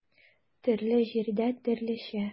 Төрле җирдә төрлечә.